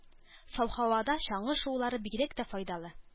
Саф һавада чаңгы шуулары бигрәк тә файдалы.